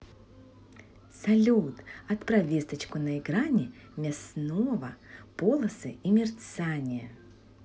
салют отправь весточку на экране мясного полосы и мерцание